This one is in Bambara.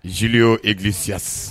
Ziliyo Ɛgizisiyasi